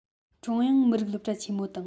ཀྲུང དབྱང མི རིགས སློབ གྲྭ ཆེན མོ དང